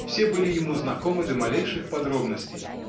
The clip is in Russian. все были ему знакомы до малейших подробностей